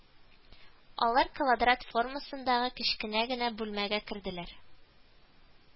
Алар квадрат формасындагы кечкенә генә бүлмәгә керделәр